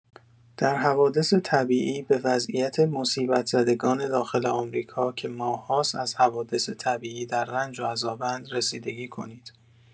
در حوادث طبیعی، به وضعیت مصیبت زدگان داخل آمریکا که ماه‌هاست از حوادث طبیعی در رنج و عذابند، رسیدگی کنید.